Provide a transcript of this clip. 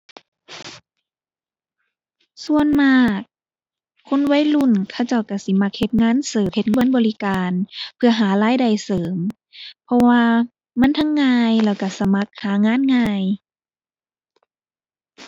ส่วนมากคนวัยรุ่นเขาเจ้าก็สิมักเฮ็ดงานเสิร์ฟ เฮ็ดงานบริการเพื่อหารายได้เสริม เพราะว่ามันทั้งง่ายแล้วก็สมัครหางานง่าย